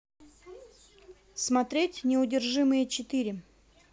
смотреть неудержимые четыре